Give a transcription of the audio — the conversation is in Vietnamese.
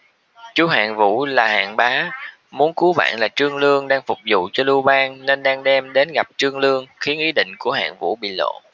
chú hạng vũ là hạng bá muốn cứu bạn là trương lương đang phục vụ cho lưu bang nên đang đêm đến gặp trương lương khiến ý định của hạng vũ bị lộ